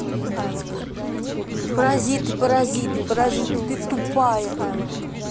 паразиты паразиты паразиты ты тупая